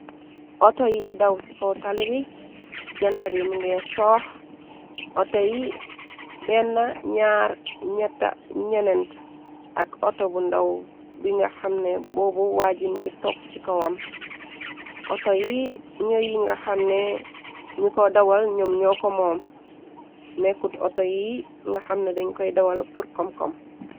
outo yi daw ci kow tali bi janta bi mingee soox oto yi benn ñaar ñeta ñenent ak outo bu ndaw bi nga xamne boobu waajim ngi tog ci kowam outo yi ñër yi nga xamne ñu ko dawal ñoom ñoo ko moom nekkut outo yi nga xamne dañ koy dawal purkom kom